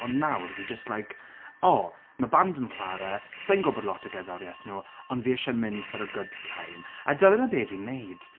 Ond nawr fi jyst like, o, ma' band yn chwarae sai'n gwybod bod lot o gerddoriaeth nhw ond fi isie mynd for a good time a dyna be fi'n wneud.